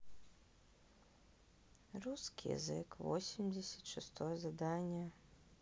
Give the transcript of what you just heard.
русский язык восемьдесят шестое задание